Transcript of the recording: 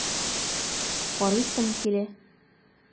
Карыйсым килә!